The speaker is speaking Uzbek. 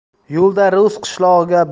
yo'lda rus qishlog'ida